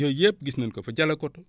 yooyu yépp gis nañu ko fa Dialokoto